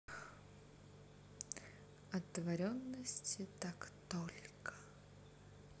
отворенности так только